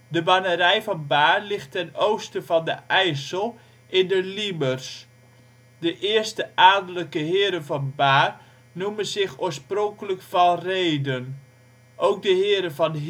De bannerij van Baer, ligt ten oosten van de IJssel in de Liemers. De eerste adellijke heren van Baer noemen zich oorspronkelijk Van Rheden. Ook de heren van Heerde